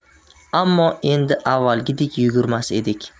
ammo endi avvalgidek yugurmas edik